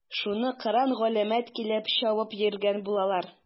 Шуны кыран-галәмәт килеп чабып йөргән булалар.